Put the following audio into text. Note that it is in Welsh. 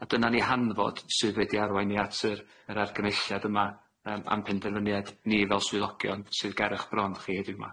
A dyna ni hanfod sydd wedi arwain ni at yr yr argymhelliad yma yym a'n penderfyniad ni fel swyddogion sydd ger 'ych bron chi heddiw 'ma.